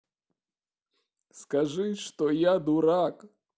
скажи что я дурак